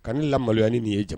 Ka ne la maloya ni nin ye jamu